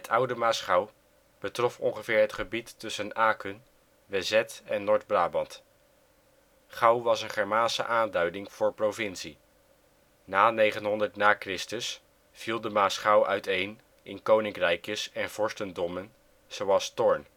oude Maasgouw betrof ongeveer het gebied tussen Aken, Wezet en Noord-Brabant. Gouw was een Germaanse aanduiding voor provincie. Na 900 na Chr. viel de Maasgouw uiteen in koninkrijkjes en vorstendommen, zoals Thorn